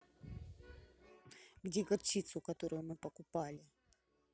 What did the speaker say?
где горчицу которую мы покупали